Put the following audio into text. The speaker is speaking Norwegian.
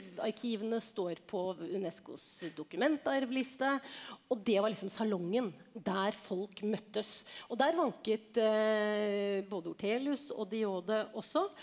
arkivene står på Unescos dokumentarvliste og det var liksom salongen der folk møttes, og der vanket både Ortelius og de Jode også.